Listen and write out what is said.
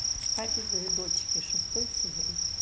папины дочки шестой сезон